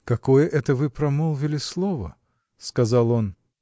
-- Какое это вы промолвили слово! -- сказал он.